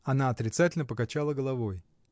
Она отрицательно покачала головой.